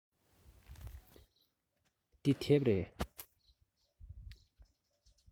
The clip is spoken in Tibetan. འདི དེབ རེད